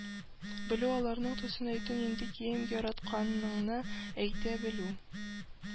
Белү, аларның төсен əйтү, нинди кием яратканыңны əйтə белү